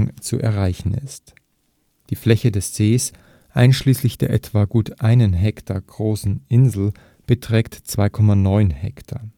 zu erreichen ist. Die Fläche des Sees einschließlich der etwa gut einen Hektar großen Insel beträgt 2,9 Hektar